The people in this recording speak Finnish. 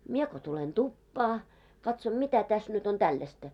minä kun tulen tupaan katson mitä tässä nyt on tällaista